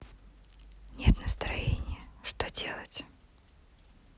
нет настроения что делать